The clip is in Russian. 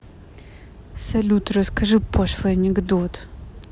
салют расскажи пошлый анекдот